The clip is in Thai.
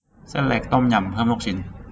เส้นเล็กต้มยำเพิ่มลูกชิ้น